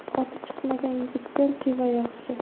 oti chiqmagan yigitdan teva yaxshi